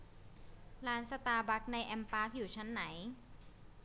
ร้านสตาร์บัคในแอมปาร์คอยู่ชั้นไหน